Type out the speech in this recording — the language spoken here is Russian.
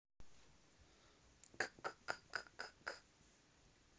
к к к к к